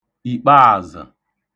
ìkpaàzə̣̀